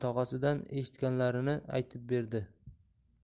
tog'asidan eshitganlarini aytib berdi